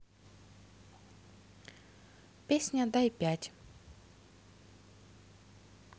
песня дай пять